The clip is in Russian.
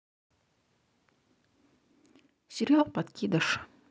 сериал подкидыш